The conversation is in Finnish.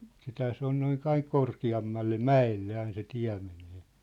sittenhän se on noin aina korkeammalle mäelle aina se tie menee